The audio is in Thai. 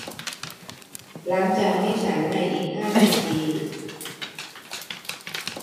ล้างจานให้ฉันในอีกห้านาที